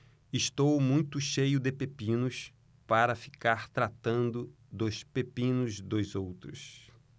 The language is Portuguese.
estou muito cheio de pepinos para ficar tratando dos pepinos dos outros